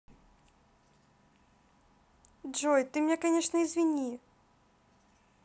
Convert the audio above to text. джой ты меня конечно извини